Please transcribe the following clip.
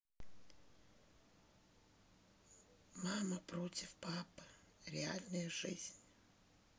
мама против папы реальная жизнь